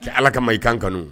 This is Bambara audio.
Cɛ ala ka ma ikan kanu